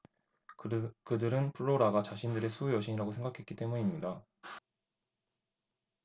그들은 플로라가 자신들의 수호 여신이라고 생각했기 때문입니다